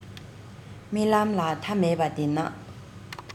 རྨི ལམ ལ མཐའ མེད པ བདེན ན